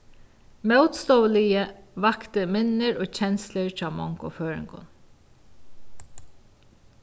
mótstøðuliðið vakti minnir og kenslur hjá mongum føroyingum